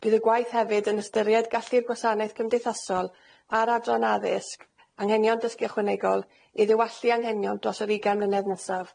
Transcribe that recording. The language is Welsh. Bydd y gwaith hefyd yn ystyried gallu'r gwasanaeth cymdeithasol a'r Adran Addysg, Anghenion Dysgu Ychwanegol, i ddiwallu anghenion dros yr ugain mlynedd nesaf.